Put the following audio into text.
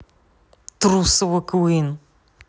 трусова queen